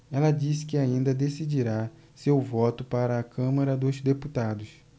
ela disse que ainda decidirá seu voto para a câmara dos deputados